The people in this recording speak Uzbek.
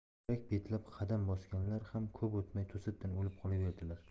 yurak betlab qadam bosganlar ham ko'p o'tmay to'satdan o'lib qolaverdilar